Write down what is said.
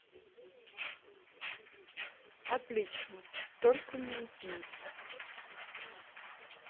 отлично только не уснуть